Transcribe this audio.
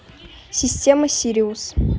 система сириус